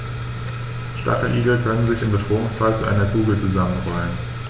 Stacheligel können sich im Bedrohungsfall zu einer Kugel zusammenrollen.